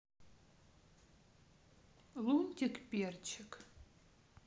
лунтик перчик